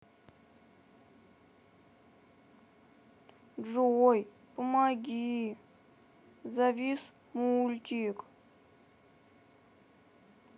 джой помоги завис мультик